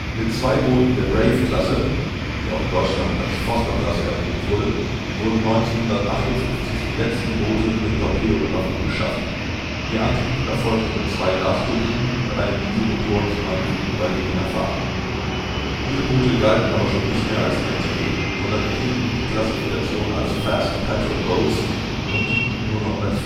Mit den beiden Boote der Brave-Klasse (auch in Deutschland als Vosper-Klasse erprobt) wurden 1958 die letzten Boote mit Torpedobewaffnung beschafft. Ihr Antrieb erfolgte mit zwei Gasturbinen und einem Dieselmotor zum Manövrieren bei geringer Fahrt. Diese Boote galten aber schon nicht mehr als MTB, sondern erhielten die Klassifikation als Fast Patrol Boats und dienten nur noch als Versuchsträger